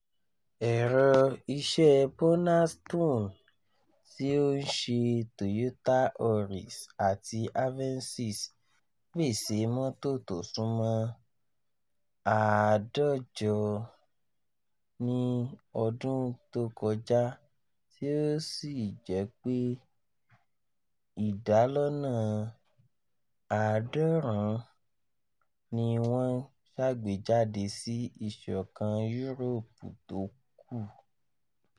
Ẹ̀rọ̀ iṣẹ́ Burnaston - tí ó ń ṣe Toyota Auris àti Avensis - pèsè mọ́tò tó súnmọ́ 150,000 ní ọdún tó kọjá tí ó sì jẹ́ pé 90% ní wọ́n ṣàgbéjáde sí Ìṣọ̀kan Yúròpù tó kù.